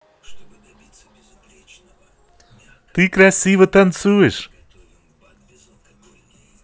ты красиво танцуешь